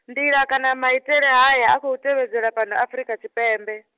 nḓila kana maitele haya a khou tevhedzelwa fhano Afurika Tshipembe.